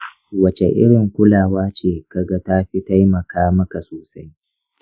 wace irin kulawa ce ka ga ta fi taimaka maka sosai?